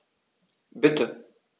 Bitte.